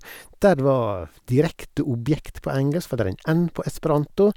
Der det var direkte objekt på engelsk, var der en n på esperanto.